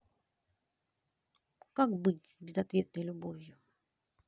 как быть с безответной любовью